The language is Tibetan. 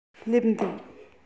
སླེབས འདུག